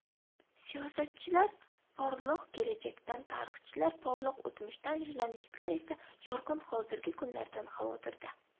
siyosatchilar porloq kelajakdan tarixchilar porloq o'tmishdan jurnalistlar esa yorqin hozirgi kunlardan xavotirda